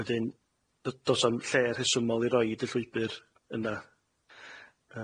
Wedyn d- do's na'm lle rhesymol i roid y llwybyr yna.